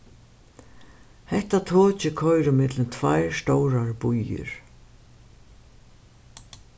hetta tokið koyrir millum tveir stórar býir